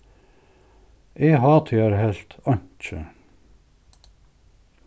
eg hátíðarhelt einki